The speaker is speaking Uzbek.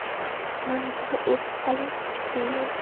mana buni o'qi hali hech kim bilmaydi